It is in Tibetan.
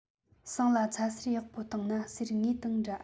ཟངས ལ ཚ གསེར ཡག པོ བཏང ན གསེར དངོས དང འདྲ